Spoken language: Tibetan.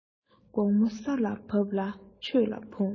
དགོངས མོ ས ལ བབས ལ ཆོས ལ འབུངས